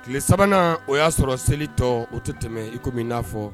Tile 3 nan, o y'a sɔrɔ seli tɔ , o tɛ tɛmɛ i ko min i n'a fɔ